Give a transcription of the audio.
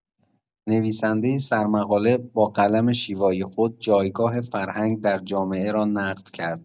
نویسنده سرمقاله با قلم شیوای خود جایگاه فرهنگ در جامعه را نقد کرد.